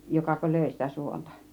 jokako löi sitä suonta